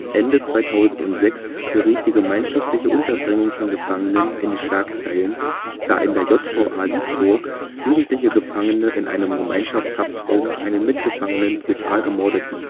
Ende 2006 geriet die gemeinschaftliche Unterbringung von Gefangenen in die Schlagzeilen, da in der JVA Siegburg jugendliche Gefangene in einem Gemeinschaftshaftraum einen Mitgefangenen brutal ermordeten